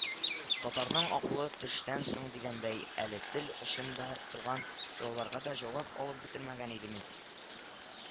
Татарның акылы төштән соң дигәндәй, әле тел очымда торган сорауларга да җавап алып бетермәгән идем бит